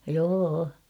joo